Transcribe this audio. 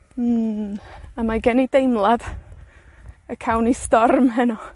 Hmm, a mae gen i deimlad y cawn ni storm heno.